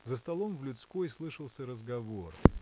За столом в людской слышался разговор.